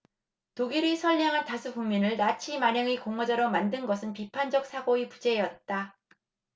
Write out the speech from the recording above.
독일의 선량한 다수 국민을 나치 만행의 공모자로 만든 것은 비판적 사고의 부재였다